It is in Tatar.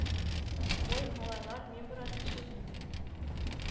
Ой, малайлар, мин бераз шүрлим бит